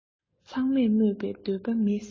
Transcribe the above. ཚང མས སྨོད པའི འདོད པ མེད ཟེར ན